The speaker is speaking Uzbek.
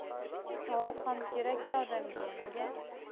savob ham kerak da odamga yanga